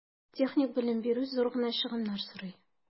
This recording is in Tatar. Техник белем бирү зур гына чыгымнар сорый.